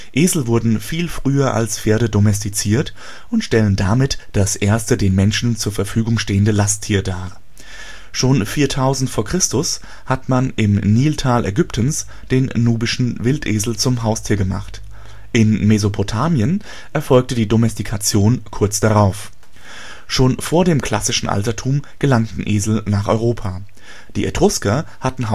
Esel wurden viel früher als Pferde domestiziert und stellen damit das erste den Menschen zur Verfügung stehende Lasttier dar. Schon 4000 v. Chr. hat man im Niltal Ägyptens den nubischen Wildesel zum Haustier gemacht. In Mesopotamien erfolgte die Domestikation kurz darauf. Schon vor dem klassischen Altertum gelangten Esel nach Europa. Die Etrusker hatten